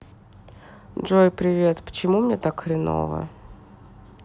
джой привет почему мне так хреново